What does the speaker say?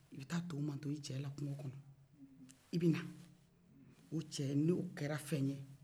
i bɛ taa to mantɔn i cɛ la kungo kɔnɔ i b'ɛ na o cɛ n'o kɛra fɛn ye